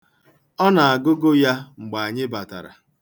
Ọ na-agụgụ ya mgbe anyị batara.